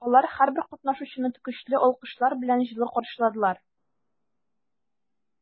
Алар һәрбер катнашучыны көчле алкышлар белән җылы каршыладылар.